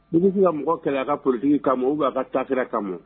B dugufin ka mɔgɔ kɛlɛ a ka porotigi kama u b'a ka taasirara kama